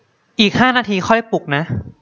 อีกห้านาทีค่อยปลุกนะ